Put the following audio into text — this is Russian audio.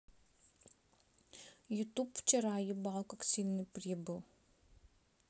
youtube вчера ебал как сильный прибыл